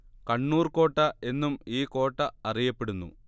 കണ്ണൂർ കോട്ട എന്നും ഈ കോട്ട അറിയപ്പെടുന്നു